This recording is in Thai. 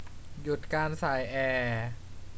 หยุดการส่ายแอร์